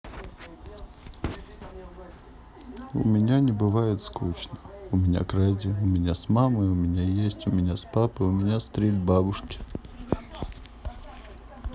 у меня не бывает скучно у меня кради у меня с мамой у меня есть у меня с папой у меня стрель бабушки